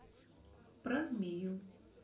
про змею